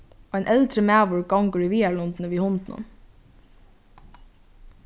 ein eldri maður gongur í viðarlundini við hundinum